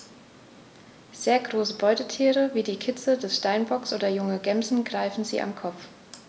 Sehr große Beutetiere wie Kitze des Steinbocks oder junge Gämsen greifen sie am Kopf.